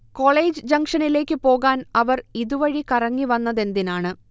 college ജംഗ്ഷനിലേക്കു പോകാൻ അവർ ഇതു വഴി കറങ്ങി വന്നതെന്തിനാണ്